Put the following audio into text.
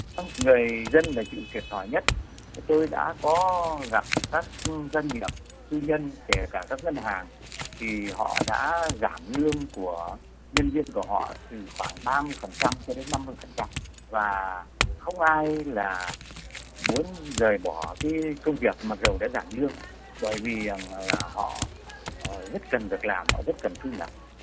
người dân phải chịu thiệt thòi nhất tôi đã có gặp các doanh nghiệp tư nhân kể cả các ngân hàng thì họ đã giảm lương của nhân viên của họ từ khoảng ba mươi phần trăm cho đến năm mươi phần trăm và không ai là muốn rời bỏ cái công việc mà kiều đã giảm lương bởi vì là họ rất cần việc làm họ rất cần thu nhập